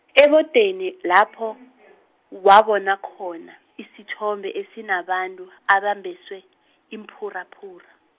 ebodeni lapho, wabona khona, isithombe esinabantu abambeswe, iimphuraphura.